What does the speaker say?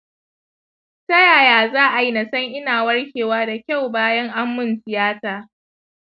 tayaya za'ayi nasan ina warkewa da kyau bayan ammun tiyata